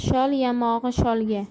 shol yamog'i sholga